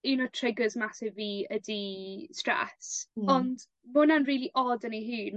un o triggers massive fi ydi stress. Hmm. Ond ma' wnna'n rili od yn ei hun